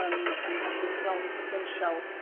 yn yn gallu cyflawni potensial